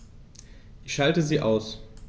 Ich schalte sie aus.